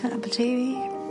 ...yn Aberteifi.